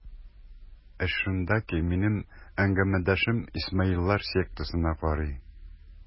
Эш шунда ки, минем әңгәмәдәшем исмаилләр сектасына карый.